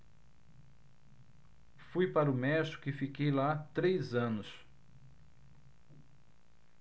fui para o méxico e fiquei lá três anos